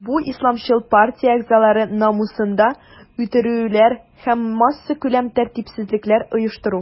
Бу исламчыл партия әгъзалары намусында үтерүләр һәм массакүләм тәртипсезлекләр оештыру.